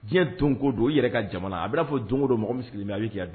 Diɲɛ don ko don i yɛrɛ ka jamana a b'a fɔ don ko don mɔgɔ bɛ sigilen a bɛ